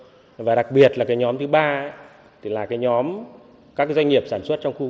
và đặc biệt là cái nhóm thứ ba là cái nhóm các doanh nghiệp sản xuất trong khu